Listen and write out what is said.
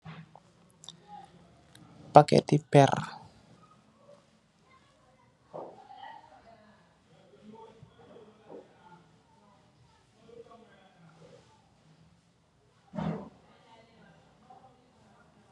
paket t perr